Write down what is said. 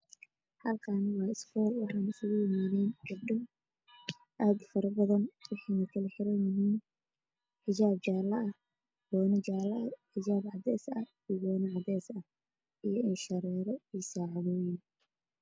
Halkan waa iskul waxa iskuku imaden gabdho aad ufara badan waxeyna xirnayahin xijab jale io goono xijab cades ah io goono cades ah io idhosherero io sacado